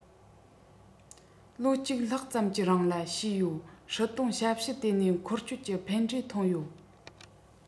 ལོ གཅིག ལྷག ཙམ གྱི རིང ལ བྱས ཡོད སྲིད དོན ཞབས ཞུ ལྟེ གནས འཁོར སྐྱོད ཀྱི ཕན འབྲས ཐོན ཡོད